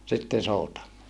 sitten soutamaan